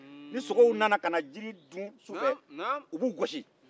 ni sogow nana jiri dun sufɛ u b'u gosi